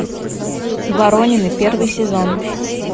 воронины первый сезон